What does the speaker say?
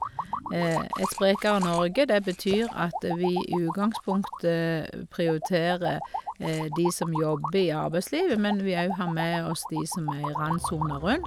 Et sprekere Norge, det betyr at vi i utgangspunktet prioriterer de som jobber i arbeidslivet, men vi òg har med oss de som er i randsona rundt.